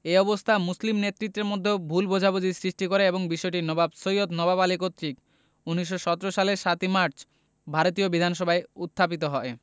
এ অবস্থা মুসলিম নেতৃত্বের মধ্যে ভুল বোঝাবুঝির সৃষ্টি করে এবং বিষয়টি নবাব সৈয়দ নওয়াব আলী কর্তৃক ১৯১৭ সালের ৭ মার্চ ভারতীয় বিধানসভায় উত্থাপিত হয়